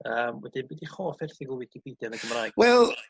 yym wedyn be' 'di'ch hoff erthygl wicipedia yn y Gymraeg. Wel